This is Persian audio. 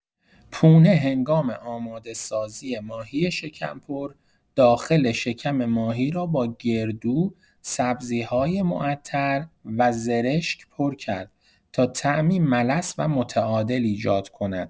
پونه هنگام آماده‌سازی ماهی شکم‌پر، داخل شکم ماهی را با گردو، سبزی‌های معطر و زرشک پر کرد تا طعمی ملس و متعادل ایجاد کند.